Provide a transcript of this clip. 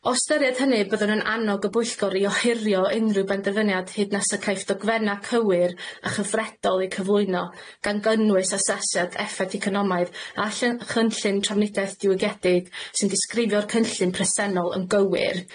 O ystyried hynny, byddwn yn annog y bwyllgor i ohirio unryw benderfyniad hyd nes y caiff dogfenna' cywir a chyfredol eu cyflwyno, gan gynnwys asesiad effeth economaidd a lly- chynllun trafnidiaeth diwygiedig sy'n disgrifio'r cynllun presennol yn gywir.